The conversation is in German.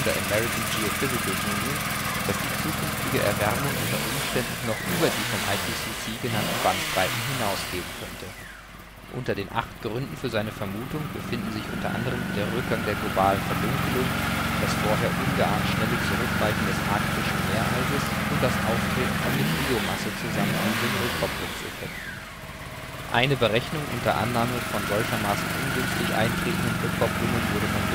American Geophysical Union, dass die zukünftige Erwärmung unter Umständen noch über die vom IPCC genannten Bandbreiten hinausgehen könnte. Unter den acht Gründen für seine Vermutung befinden sich unter anderem der Rückgang der globalen Verdunkelung, das vorher ungeahnt schnelle Zurückweichen des arktischen Meereises und das Auftreten von mit Biomasse zusammenhängenden Rückkopplungs-Effekten. Eine Berechnung unter Annahme von solchermaßen ungünstig eintretenden Rückkopplungen wurde von